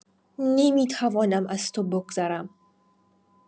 نمی‌توانم از تو بگذرم!